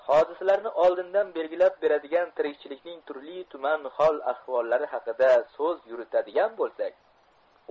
hodisalarni oldindan belgilab beradigan tirikchilikning turli tuman hol ahvollari hakida so'z yuritadigan bo'lsak